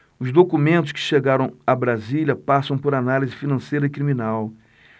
os documentos que chegaram a brasília passam por análise financeira e criminal